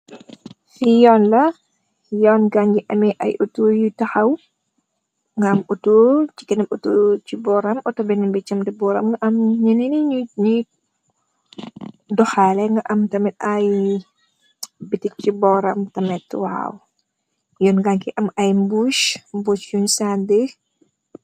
Fii Yoon la, yoon gaa ngi amee ay otto yu taxaw. Nga am benen Otto ci bóoram. Otto ci kanam otto. Mu am ñenen ñuy dooxale, am ay bitic ci bóoram. Waaw, yoon Wala ngi am ay mbuus, mbuus yoñg saani.